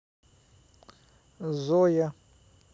зоя